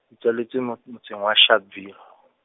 ke tswaletswe mo-, motseng wa Sharpeville.